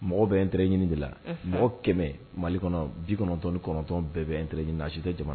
Mɔgɔ bɛ n tɛ ɲini de la mɔgɔ kɛmɛ mali kɔnɔ bi kɔnɔntɔn ni kɔnɔntɔn bɛɛ bɛ n tɛ ɲini si tɛ jamana